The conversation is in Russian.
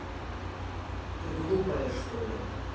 ты глупая что ли